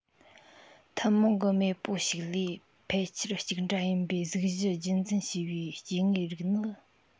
ཐུན མོང གི མེས པོ ཞིག ལས ཕལ ཆེར གཅིག འདྲ ཡིན པའི གཟུགས གཞི རྒྱུད འཛིན བྱས པའི སྐྱེ དངོས རིགས ནི